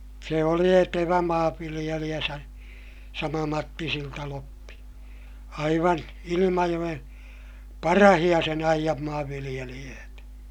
se oli etevä maanviljelijä - sama Matti Siltaloppi aivan Ilmajoen parhaita sen ajan maanviljelijöitä